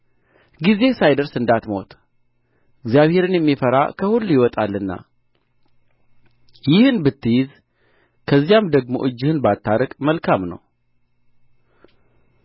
ጊዜህ ሳይደርስ እንዳትሞት እግዚአብሔርን የሚፈራ ከሁሉ ይወጣልና ይህን ብትይዝ ከዚያም ደግሞ እጅህን ባታርቅ መልካም ነው